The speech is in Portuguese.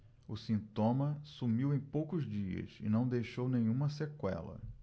o sintoma sumiu em poucos dias e não deixou nenhuma sequela